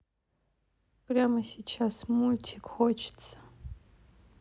прямо сейчас мультик хочется